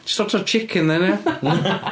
Jyst ordra'r chicken then, ia.